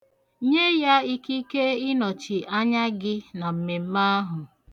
Nye ya ikike ịnọchị anya gị na mmemme ahụ.